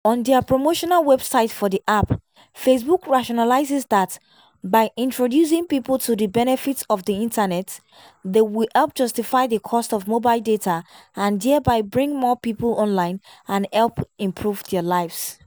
On their promotional website for the app, Facebook rationalizes that “[by] introducing people to the benefits of the internet” they will help justify the cost of mobile data and thereby “bring more people online and help improve their lives.”